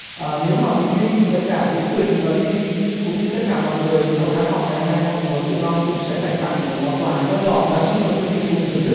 ờ nếu mà bình minh với cả diễm quỳnh và li li cũng như tất cả mọi người trong khán phòng ngày hôm nay mong muốn thì long cũng sẽ dành tặng một món quà nho nhỏ ờ xin mời quý vị cùng thưởng thức